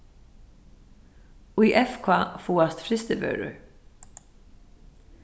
í fk fáast frystivørur